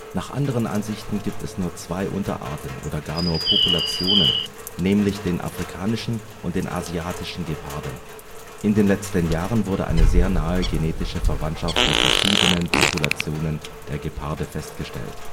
Nach anderen Ansichten gibt es nur zwei Unterarten oder gar nur Populationen, nämlich den Afrikanischen und den Asiatischen Geparden. In den letzten Jahren wurde eine sehr nahe genetische Verwandtschaft der verschiedenen Populationen der Geparde festgestellt